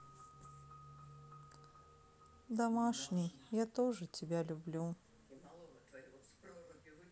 домашний я тоже тебя люблю